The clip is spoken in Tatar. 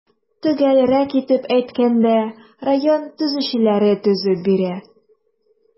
Төгәлрәк итеп әйткәндә, район төзүчеләре төзеп бирә.